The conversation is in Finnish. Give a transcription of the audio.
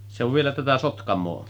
se on vielä tätä Sotkamoa